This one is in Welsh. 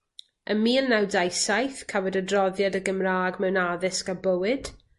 Ym mil naw dau saith cafwyd Adroddiad y Gymrag Mewn Addysg a Bywyd.